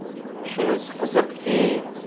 shunisi qiziqki